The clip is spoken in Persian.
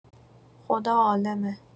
خدا عالمه